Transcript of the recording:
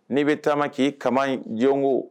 N'i bɛ taama k'i ka jɔnko